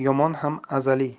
yomon ham azaliy